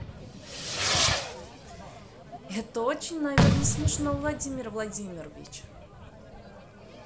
это очень наверно смешно владимир владимирович